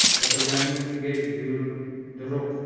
yiqilganning ustiga yulduruq